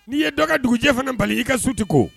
N'i ye dɔ ka dugujɛ fana bali i ka su t'i ko